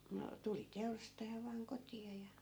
no tuli teurastaja vain kotiin ja